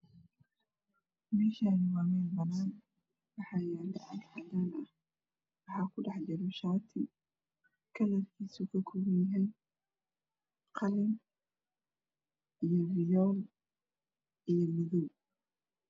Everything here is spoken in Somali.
Meshani wa mel banan ah waxa yala cag cadan ah waxa ku dhax jira shati kalar kisu gadud ah qalin iyo riyol iyo madow